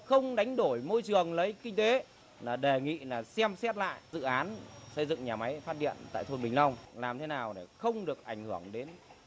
không đánh đổi môi trường lấy kinh tế là đề nghị là xem xét lại dự án xây dựng nhà máy phát điện tại thôn bình long làm thế nào để không được ảnh hưởng đến